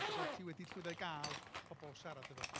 dy fod ti wedi llwyddo i gael pobl siarad efo chdi.